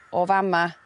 o fa' 'ma